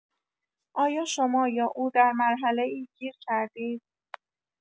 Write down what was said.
آیا شما یا او در مرحله‌ای گیر کردید؟